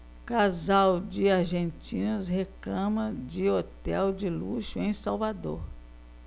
casal de argentinos reclama de hotel de luxo em salvador